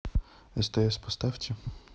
стс поставьте